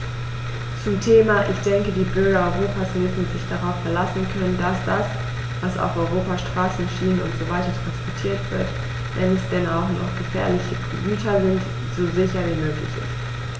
Zum Thema: Ich denke, die Bürger Europas müssen sich darauf verlassen können, dass das, was auf Europas Straßen, Schienen usw. transportiert wird, wenn es denn auch noch gefährliche Güter sind, so sicher wie möglich ist.